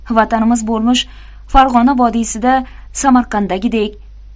vatanimiz bo'lmish farg'ona vodiysida samarqanddagidek